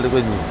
ceeb bu dijj bi